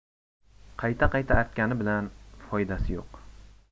qayta qayta artgani bilan foydasi yo'q